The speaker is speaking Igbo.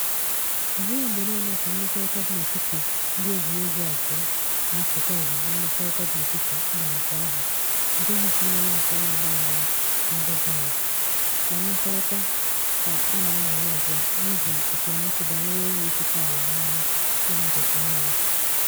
Ọ bụghị mgbe niile ka mmekọrịta dị n'etiti ndị egwuregwu abụọ na-apụta ihe na mmekọrịta dị n'etiti mba abụọ ahụ nke hụtụrụla ụfọdụ ọgbaaghara n'aguguala na mmekọrịta ka a na-anwale ọzọ n'ihi esemokwu banyere inwe ikike ala mmanụ dị n'akụkụ mmiri.